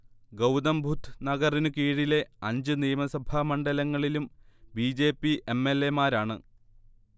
ഗൗതംബുദ്ധ് നഗറിനു കീഴിലെ അഞ്ജു നിയമസഭാ മണ്ഡലങ്ങളിലും B. J. P M. L. A മാരാണ്